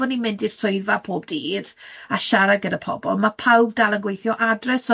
bo' ni'n mynd i'r swyddfa pob dydd a siarad gyda pobl, ma' pawb dal yn gweithio o adre,